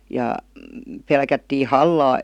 ja pelättiin hallaa